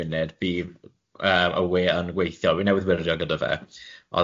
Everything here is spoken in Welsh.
munud, fydd yy y wê yn gweithio, wi newydd wirio gyda fe.